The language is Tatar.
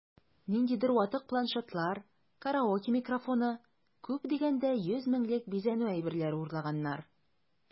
Ниндидер ватык планшетлар, караоке микрофоны(!), күп дигәндә 100 меңлек бизәнү әйберләре урлаганнар...